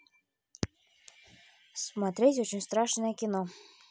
смотреть очень страшное кино два